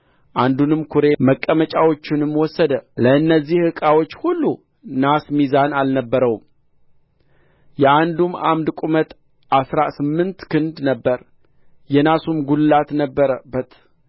አንዱንም ኵሬ መቀመጫዎቹንም ወሰደ ለእነዚህ ዕቃዎች ሁሉ ናስ ሚዛን አልነበረውም የአንዱም ዓምድ ቁመት አሥራ ስምንት ክንድ ነበረ የናስም ጕልላት ነበረበት